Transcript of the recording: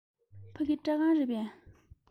ཕ གི སྐྲ ཁང རེད པས